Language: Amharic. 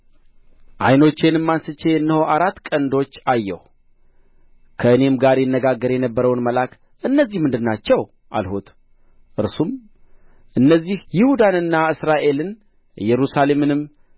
ዓይኖቼንም አንሥቼ እነሆ አራት ቀንዶች አየሁ ከእኔም ጋር ይነጋገር የነበረውን መልአክ እነዚህ ምንድር ናቸው አልሁት እርሱም እነዚህ ይሁዳንና እስራኤልን ኢየሩሳሌምንም